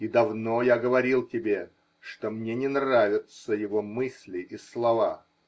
И давно я говорил тебе, что мне не нравятся его мысли и слова.